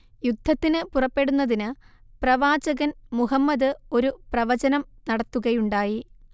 യുദ്ധത്തിന് പുറപ്പെടുന്നതിന് പ്രവാചകൻ മുഹമ്മദ് ഒരു പ്രവചനം നടത്തുകയുണ്ടായി